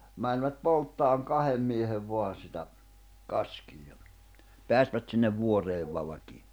menivät polttamaan kahden miehen vain sitä kaskea ja päästivät sinne vuoreen valkean